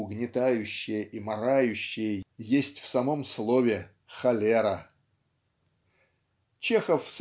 угнетающее и марающее есть в самом слове "холера") Чехов